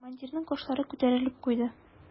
Командирның кашлары күтәрелеп куйды.